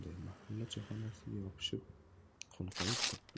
mahalla choyxonasiga yopishib qo'nqayib turibdi